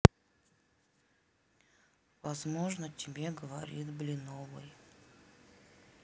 возможно тебе говорить блиновой